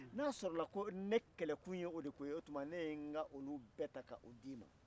n'a sɔrɔ la ko ne kɛlɛ kun ye o de ko ye o tuma ne ye n ka olu bɛɛ ta k'o d'i ma